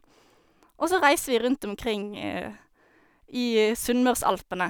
Og så reiste vi rundt omkring i Sunnmørsalpene.